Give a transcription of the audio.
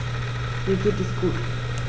Mir geht es gut.